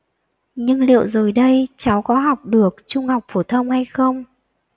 nhưng liệu rồi đây cháu có học được trung học phổ thông hay không